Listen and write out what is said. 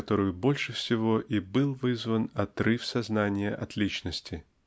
которою больше всего и был вызван отрыв сознания от личности.